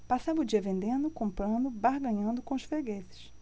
passava o dia vendendo comprando barganhando com os fregueses